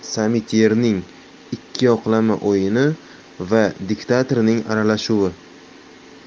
samityerning ikkiyoqlama o'yini va diktatorning aralashuvi